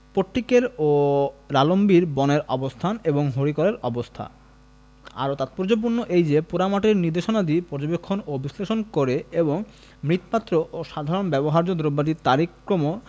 পট্টিকের ও লালম্বি বন এর অবস্থান এবং হরিকেলের অবস্থা আরও তাৎপর্যপূর্ণ এই যে পোড়ামাটির নিদর্শনাদি পর্যবেক্ষণ ও বিশ্লেষণ করে এবং মৃৎপাত্র ও সাধারণ ব্যবহার্য দ্রব্যাদির তারিখ ক্রম